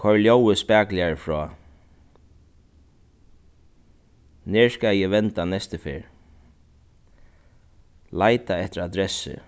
koyr ljóðið spakuligari frá nær skal eg venda næstu ferð leita eftir adressu